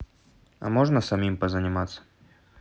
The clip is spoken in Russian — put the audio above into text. а можно самим позаниматься